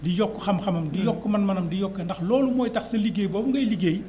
di yokk xam-xamam di yokk mën-mënam di yokk ndax loolu mooy tax sa liggéey boobu ngay liggéey